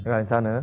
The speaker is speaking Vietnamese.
rồi sao nữa